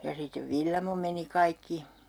ja sitten Villamo meni kaikki